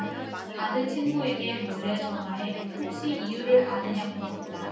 아들 친구에게 몰래 전화해 혹시 이유를 아느냐고 물었다